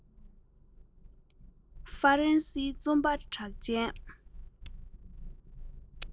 ཧྥ རན སིའི རྩོམ པ པོ གྲགས ཅན